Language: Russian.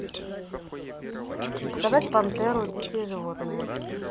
показать пантеру дикие животные